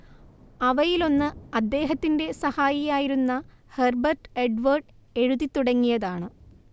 അവയിലൊന്ന് അദ്ദേഹത്തിന്റെ സഹായിയായിരുന്ന ഹെർബെർട്ട് എഡ്വേഡ് എഴുതിത്തുടങ്ങിയതാണ്